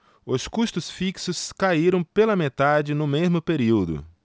os custos fixos caíram pela metade no mesmo período